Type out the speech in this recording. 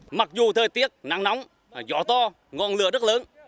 mặc dù thời tiết nắng nóng gió to ngọn lửa rất lớn